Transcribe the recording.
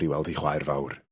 ...i weld 'i chwaer fawr.